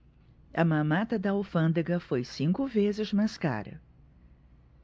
a mamata da alfândega foi cinco vezes mais cara